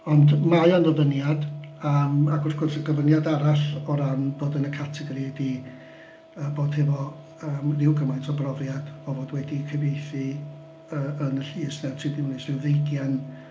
Ond mae o'n ofyniad yym ac wrth gwrs, y gofyniad arall o ran bod yn y categori ydy yy bod efo yym ryw gymaint o brofiad o fod wedi cyfieithu yy yn y Llys neu'r Tribiwnlys ryw ddeugain...